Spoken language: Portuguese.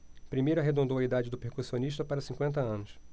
primeiro arredondou a idade do percussionista para cinquenta anos